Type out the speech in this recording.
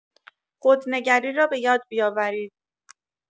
خودنگری را بۀاد بیاورید